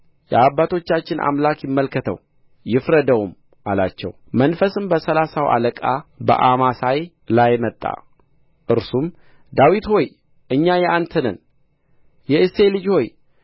የአባቶቻችን አምላክ ይመልከተው ይፍረደውም አላቸው መንፈስም በሠላሳው አለቃ በአማሳይ ላይ መጣ እርሱም ዳዊት ሆይ እኛ የአንተ ነን የእሴል ልጅ ሆይ